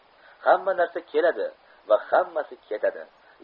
hamma narsa keladi va hammasi keladi